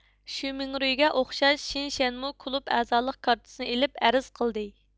شۈمىڭرۈيگە ئوخشاش شېن شەنمۇ كۇلۇب ئەزالىق كارتىسىنى ئېلىپ ئەرز قىلدى